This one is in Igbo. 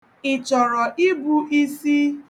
Ị chọrọ ịbụ isi?